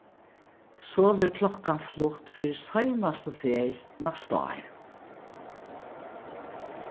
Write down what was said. so verður klokkan flutt fyri seinastu ferð næsta ár